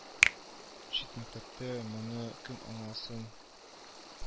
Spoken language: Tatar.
Чит мәктәптә моны кем аңласын